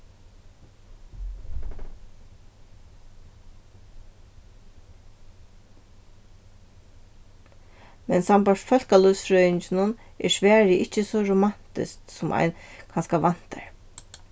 men sambært fólkalívsfrøðinginum er svarið ikki so romantiskt sum ein kanska væntar